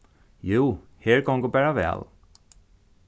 jú her gongur bara væl